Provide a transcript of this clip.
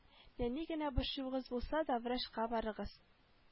Нәни генә борчуыгыз булса да врачка барыгыз